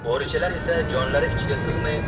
bo'richalar esa jonlari ichiga sig'may